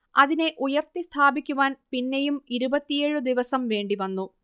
അതിനെ ഉയർത്തി സ്ഥാപിക്കുവാൻ പിന്നെയും ഇരുപത്തിയേഴ് ദിവസം വേണ്ടിവന്നു